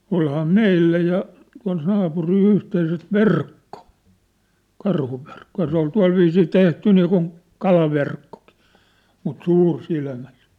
olihan meillä ja tuolla naapurilla yhteiset verkko karhuverkko ja se - oli tuolla viisiin tehty niin kuin kalaverkkokin mutta -